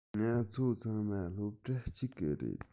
ང ཚོ ཚང མ སློབ གྲྭ གཅིག གི རེད